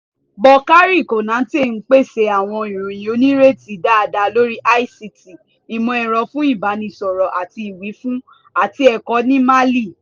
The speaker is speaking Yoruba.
Boukary Konaté ń pèsè àwọn ìròyìn onírètí dáadáa lórí ICT (Ìmọ̀-ẹ̀rọ fún Ìbánisọ̀rọ̀ àti Ìwífún) àti ẹ̀kọ́ ní Mali.